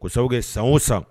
Sa kɛ san o san